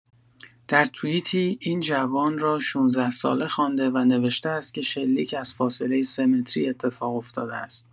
در توییتی این جوان را ۱۶ ساله خوانده و نوشته است که شلیک از «فاصله سه‌متری» اتفاق افتاده است.